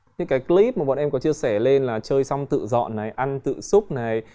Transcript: như cái cơ líp mà bọn em có chia sẻ lên là chơi xong tự dọn này ăn tự xúc này